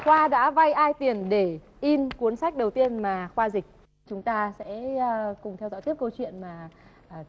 khoa đã vay ai tiền để in cuốn sách đầu tiên mà khoa dịch chúng ta sẽ cùng theo dõi tiếp câu chuyện mà à